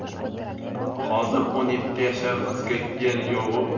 hozir o'n yetti yashar qizga er yo'g'u